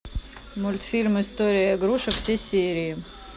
мультфильм история игрушек все серии